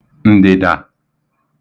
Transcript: ǹdị̀dà